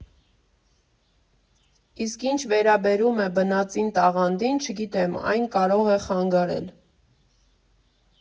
Իսկ ինչ վերաբերում է բնածին տաղանդին, չգիտեմ, այն կարող է խանգարել։